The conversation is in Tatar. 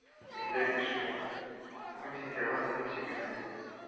Июньдә биш көн, бүген сентябрьнең унсигезе